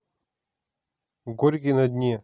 горький на дне